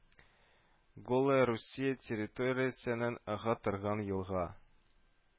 Голая Русия территориясеннән ага торган елга